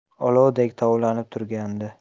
olovdek tovlanib turgandi